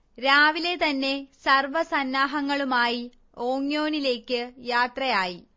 രാവിലെ തന്നെ സർവ സന്നാഹങ്ങളുമായി ഓങ്യോനിലേക്ക് യാത്രയായി